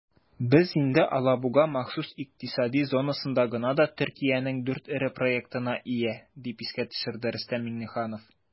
"без инде алабуга махсус икътисади зонасында гына да төркиянең 4 эре проектына ия", - дип искә төшерде рөстәм миңнеханов.